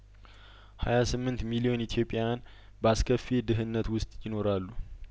ሀያስምንት ሚሊዮን ኢትዮጵያውያን በአስከፊ ድህነት ውስጥ ይኖራሉ